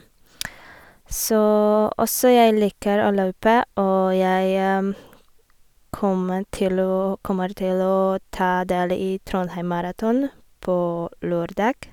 så Og så jeg liker å løpe, og jeg kommer til å kommer til å ta del i Trondheim Maraton på lørdag.